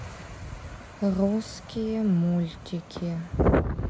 русские мультики